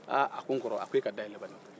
aaa a ko n kɔrɔ e ka da yɛlɛ bani